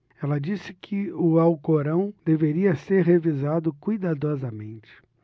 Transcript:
ela disse que o alcorão deveria ser revisado cuidadosamente